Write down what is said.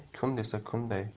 kun desa kunday